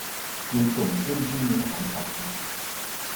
มีตุ่มขึ้นที่นิ้วของฉัน